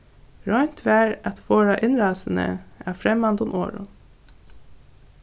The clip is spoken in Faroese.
roynt varð at forða innrásini av fremmandum orðum